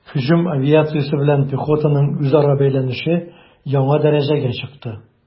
Һөҗүм авиациясе белән пехотаның үзара бәйләнеше яңа дәрәҗәгә чыкты.